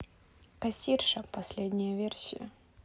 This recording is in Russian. кассирша последняя серия